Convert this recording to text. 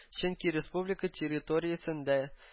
Чөнки республика территориясендә